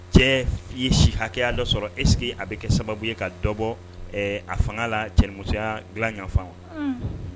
Cɛ? i ye si hakɛya dɔ sɔrɔ est ce que a bɛ kɛ sababu ye ka dɔ bɔ ƐƐ a fanga la cɛnimusoya dilan yan fan wa? Un.